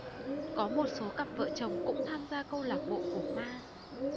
có một số cặp vợ chồng cũng tham gia câu lạc bộ của ma